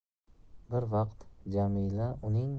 bir vaqt jamila uning